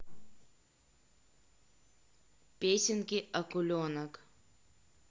песенки акуленок